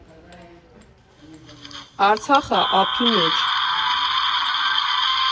Արցախը ափի մեջ։